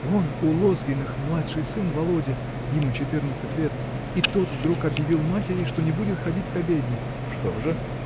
Вон у Лозгиных младший сын, Володя, — ему четырнадцать лет — и тот вдруг объявил матери, что не будет ходить к обедне. — Что же?